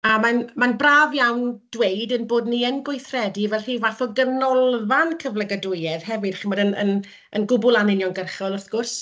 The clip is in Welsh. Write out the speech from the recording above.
A mae'n...mae'n braf iawn dweud ein bod ni yn gweithredu fel rhyw fath o ganolfan cyflogadwyedd hefyd, chi'n gwybod, yn yn yn gwbl anuniongyrchol wrth gwrs,